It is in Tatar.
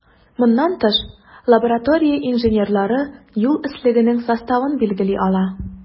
Моннан тыш, лаборатория инженерлары юл өслегенең составын билгели ала.